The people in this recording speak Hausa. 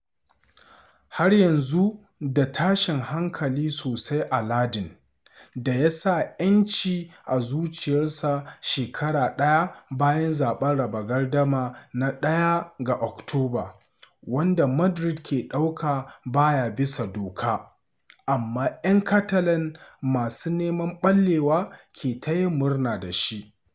Har yanzu da tashin hankali sosai a lardin da ya sa ‘yanci a zuciyarsa shekara ɗaya bayan zaɓen raba gardama na 1 ga Oktoba wanda Madrid ke ɗauka ba ya bisa doka amma ‘yan Catalan masu neman ɓallewa ke ta yin murna da shi.